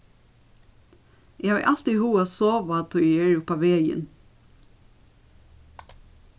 eg havi altíð hug at sova tí eg eri upp á vegin